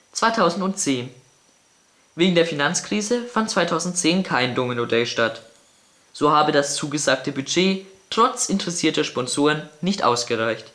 2010 Wegen der Finanzkrise fand 2010 kein Domino Day statt. So habe das zugesagte Budget trotz interessierter Sponsoren nicht ausgereicht